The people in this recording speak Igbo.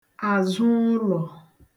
àzụụlọ̀